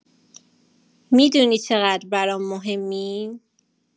می‌دونی چقدر برام مهمی؟